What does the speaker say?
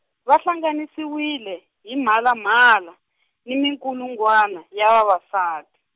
va hlanganisiwile, hi mhalamhala, ni minkulungwana ya vavasati.